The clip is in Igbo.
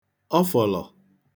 ọfọ̀lọ̀